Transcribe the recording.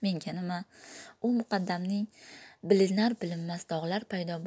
menga nima u muqaddamning bilinar bilinmas dog'lar paydo bo'lgan chehrasidan ma'no